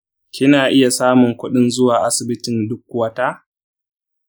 kina iya samun kuɗin zuwa asibitin duk wata?